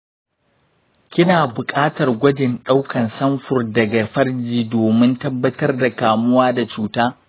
kina buƙatar gwajin ɗaukar samfur daga farji domin tabbatar da kamuwa da cuta.